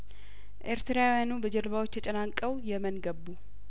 ኤርትራውያኑ በጀልባዎች ተጨናንቀው የመን ገቡ